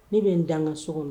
Ne bɛ n dan ka so kɔnɔ